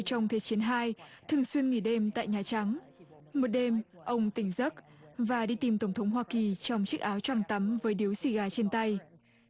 trong thế chiến hai thường xuyên nghỉ đêm tại nhà trắng một đêm ông tỉnh giấc và đi tìm tổng thống hoa kỳ trong chiếc áo choàng tắm với điếu xì gà trên tay